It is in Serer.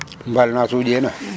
mbaal na suƴena